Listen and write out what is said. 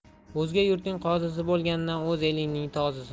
o'zga yurtning qozisi bo'lgandan o'z elingning tozisi bo'l